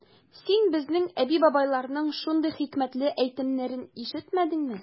Син безнең әби-бабайларның шундый хикмәтле әйтемнәрен ишетмәдеңме?